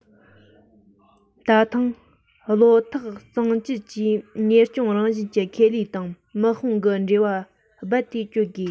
ད ཐེངས བློ ཐག གཙང བཅད ཀྱིས གཉེར སྐྱོང རང བཞིན གྱི ཁེ ལས དང དམག དཔུང གི འབྲེལ བ རྦད དེ གཅོད དགོས